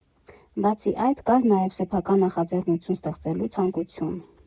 Բացի այդ կար նաև սեփական նախաձեռնություն ստեղծելու ցանկություն։